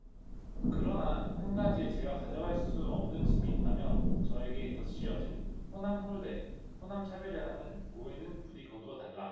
그러나 한 가지 제가 가져갈 수 없는 짐이 있다며 저에게 덧씌워진 호남홀대 호남차별이라는 오해는 부디 거두어 달라